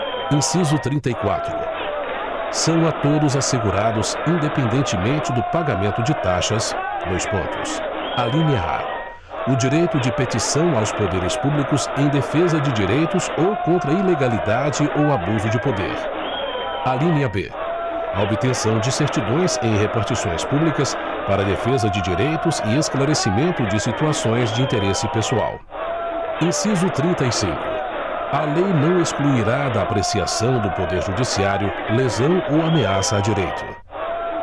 inciso trinta e quatro são a todos assegurados independentemente do pagamento de taxas dois pontos alínea a o direito de petição aos poderes públicos em defesa de direitos ou contra ilegalidade ou abuso de poder alínea b a obtenção de certidões em repartições públicas para defesa de direitos e esclarecimento de situações de interesse pessoal inciso trinta e cinco a lei não excluirá da apreciação do poder judiciário lesão ou ameaça a direito